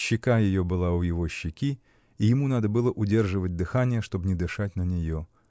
Щека ее была у его щеки, и ему надо было удерживать дыхание, чтоб не дышать на нее.